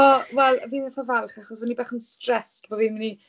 O wel, fi'n eitha falch achos o'n ni bach yn stressed bod fi'n mynd i...